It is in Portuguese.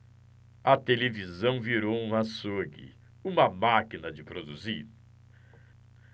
a televisão virou um açougue uma máquina de produzir